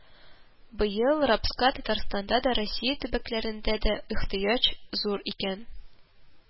Быел рапска Татарстанда да, Россия төбәкләрендә дә ихтыяҗ зур икән